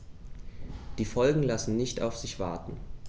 Die Folgen lassen nicht auf sich warten.